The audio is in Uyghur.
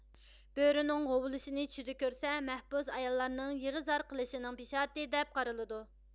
بۆرىنىڭ ھوۋلىشىنى چۈشىدە كۆرسە مەھبۇس ئاياللارنىڭ يېغا زار قىلىشىنىڭ بىشارىتى دەپ قارىلىدۇ